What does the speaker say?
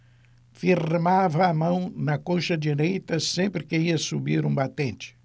firmava a mão na coxa direita sempre que ia subir um batente